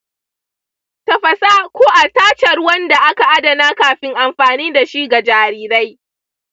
tafasa ko a tace ruwan da aka adana kafin amfani da shi ga jarirai.